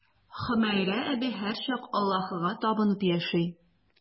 Хөмәйрә әби һәрчак Аллаһыга табынып яши.